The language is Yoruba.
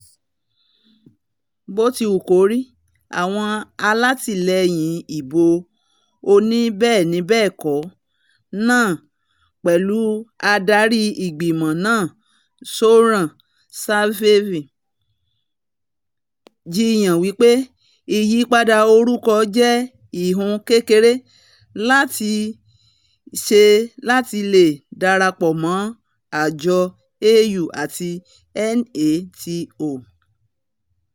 Bótiwùkórí, àwọn alatilẹyin ìbò onibẹẹni-bẹẹkọ náà, pẹlu Adarí Igbimọ naa Zoran Zaev, jiyàn wípé ìyípadà orúkọ jẹ ihun kékeré láti ṣe lati le darapọ mọ àjọ EU àti NATO.